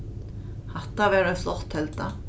hatta var ein flott telda